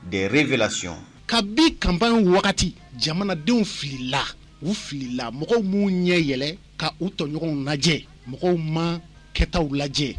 Des révélations ka bii campagne wagati jamanadenw filila u filila mɔgɔw m'u ɲɛ yɛlɛn k'a u tɔɲɔgɔnw lajɛ mɔgɔw maa kɛtaw lajɛ